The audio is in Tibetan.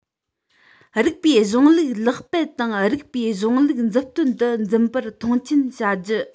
རིགས པའི གཞུང ལུགས ལེགས སྤེལ དང རིགས པའི གཞུང ལུགས མཛུབ སྟོན དུ འཛིན པར མཐོང ཆེན བྱ རྒྱུ